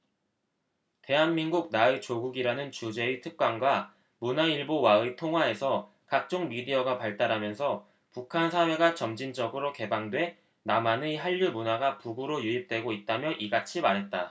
대한민국 나의 조국이라는 주제의 특강과 문화일보와의 통화에서 각종 미디어가 발달하면서 북한 사회가 점진적으로 개방돼 남한의 한류 문화가 북으로 유입되고 있다며 이같이 말했다